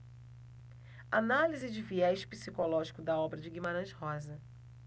análise de viés psicológico da obra de guimarães rosa